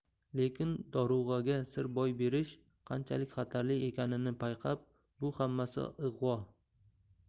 lekin dorug'aga sir boy berish qanchalik xatarli ekanini payqab bu hammasi ig'vo